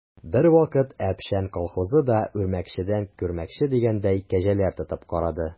Бервакыт «Әпшән» колхозы да, үрмәкчедән күрмәкче дигәндәй, кәҗәләр тотып карады.